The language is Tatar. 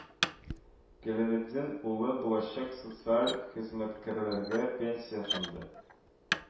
Галәветдин улы булачак социаль хезмәткәрләргә Пенсия фонды